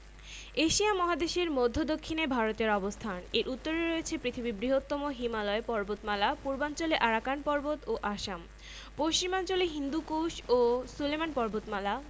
Asia মহাদেশের মদ্ধ্য দক্ষিনে ভারতের অবস্থানএর উত্তরে রয়েছে পৃথিবীর বৃহত্তম হিমালয় পর্বতমালা পূর্বাঞ্চলে আরাকান পর্বত ও আসামপশ্চিমাঞ্চলে হিন্দুকুশ ও সুলেমান পর্বতমালা